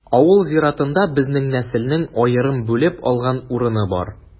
Авыл зиратында безнең нәселнең аерым бүлеп алган урыны бар.